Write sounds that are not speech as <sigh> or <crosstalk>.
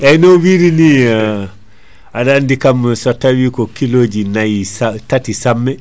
eyyi no wirini <hesitation> aɗa andi kam so tawi ko kiloji nayyi sa <hesitation> taati samme